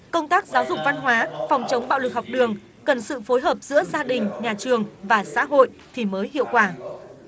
công tác giáo dục văn hóa phòng chống bạo lực học đường cần sự phối hợp giữa gia đình nhà trường và xã hội thì mới hiệu quả